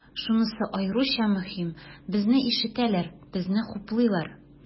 Шунысы аеруча мөһим, безне ишетәләр, безне хуплыйлар.